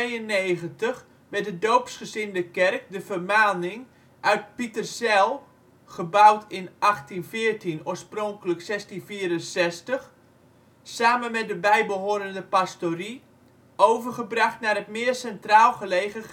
In 1892 werd de doopsgezinde kerk (de ' Vermaning ') uit Pieterzijl (gebouwd in 1814; oorspronkelijk in 1664) samen met de bijbehorende pastorie overgebracht naar het meer centraal gelegen